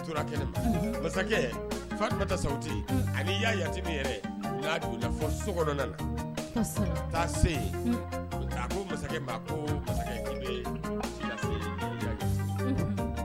Masakɛ fa tun taa sa yaa ya yɛrɛ y'a fɔ so k'a se